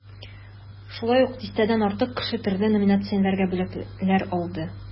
Шулай ук дистәдән артык кеше төрле номинацияләрдә бүләкләр алды.